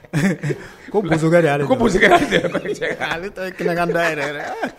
Kɛ ale da